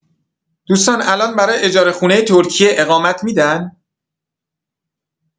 دوستان الان برای اجاره خونه ترکیه اقامت می‌دن؟